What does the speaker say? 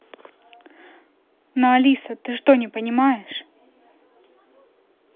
но алиса ты точно не понимает